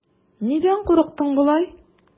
Нидән курыктың болай?